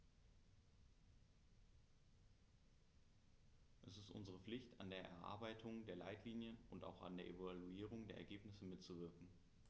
Es ist unsere Pflicht, an der Erarbeitung der Leitlinien und auch an der Evaluierung der Ergebnisse mitzuwirken.